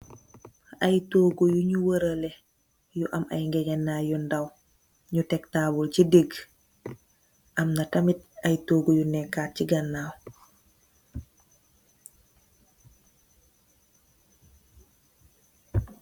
Ay toguh yun waraleh, yu am ay ngegenai yu ndaw, ngi tek tabal ci dëg. Am na tamid ay tohgu yu nekka kat ci ganaw.